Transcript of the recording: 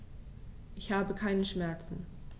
Ich habe keine Schmerzen.